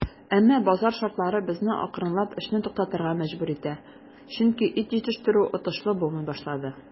Әмма базар шартлары безне акрынлап эшне туктатырга мәҗбүр итә, чөнки ит җитештерү отышлы булмый башлады.